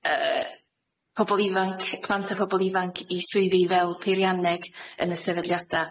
yy pobol ifanc, plant a phobol ifanc i swyddi fel peirianneg yn y sefydliada.